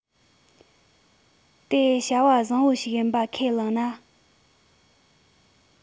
དེ བྱ བ བཟང བོ ཞིག ཡིན པ ཁས བླངས ན